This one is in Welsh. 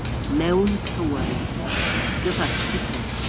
Mewn cywair sy'n gyfatebol.